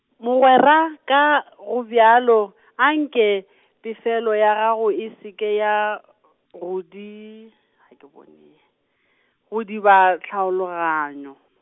mogweraka go bjalo, anke pefelo ya gago e se ke ya , go di, ga ke bone , go diba tlhaloganyo.